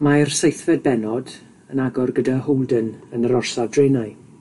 Mae'r seithfed bennod yn agor gyda Holden yn yr orsaf drenau.